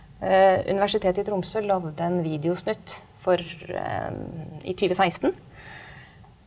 Universitetet i Tromsø lagde en videosnutt for i tjueseksten.